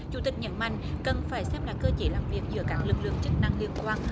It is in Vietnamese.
chủ tịch nhấn mạnh cần phải xem lại cơ chế làm việc giữa các lực lượng chức năng liên quan